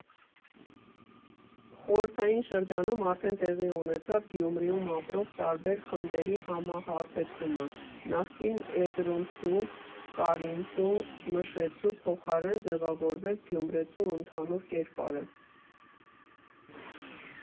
Խորհրդային շրջանում արդեն տեղի ունեցավ Գյումրիում ապրող տարբեր խմբերի համահարթեցումը՝ նախկին էրզրումցու, կարինցու, մշեցու փոխարեն ձևավորվեց գյումրեցու ընդհանուր կերպարը։